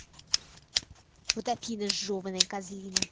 вот и афина жеваная казлина